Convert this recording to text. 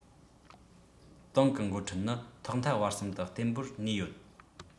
ཏང གི འགོ ཁྲིད ནི ཐོག མཐའ བར གསུམ དུ བརྟན པོར གནས ཡོད